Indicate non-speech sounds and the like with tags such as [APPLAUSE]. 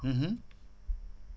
[HESITATION] [HESITATION]